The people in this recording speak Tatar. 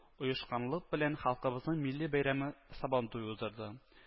Оешканлык белән халкыбызның милли бәйрәме - сабантуй уздырды